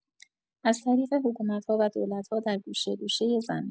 از طریق حکومت‌ها و دولت‌ها، در گوشه گوشۀ زمین